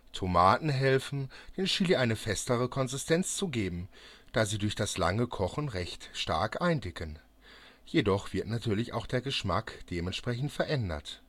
Tomaten helfen, dem Chili eine festere Konsistenz zu geben, da sie durch das lange Kochen recht stark eindicken. Jedoch wird natürlich auch der Geschmack dementsprechend verändert